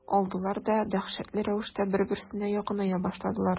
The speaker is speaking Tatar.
Алдылар да дәһшәтле рәвештә бер-берсенә якыная башладылар.